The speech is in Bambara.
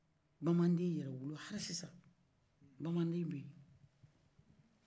baman den yɛrɛwolo hali sisan baman den yɛrɛwolow bɛyi